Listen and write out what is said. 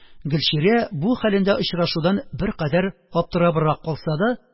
Гөлчирә бу хәлендә очрашудан беркадәр аптырабрак калса да,